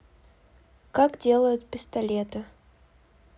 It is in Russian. как делают пистолеты